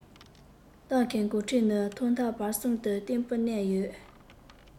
ཏང གི འགོ ཁྲིད ནི ཐོག མཐའ བར གསུམ དུ བརྟན པོར གནས ཡོད